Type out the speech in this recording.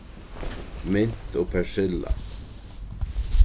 mint og persilla